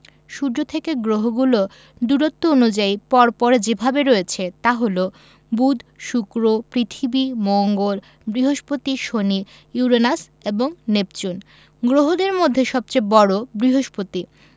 সূর্য থেকে গ্রহগুলো দূরত্ব অনুযায়ী পর পর যেভাবে রয়েছে তা হলো বুধ শুক্র পৃথিবী মঙ্গল বৃহস্পতি শনি ইউরেনাস এবং নেপচুন গ্রহদের মধ্যে সবচেয়ে বড় বৃহস্পতি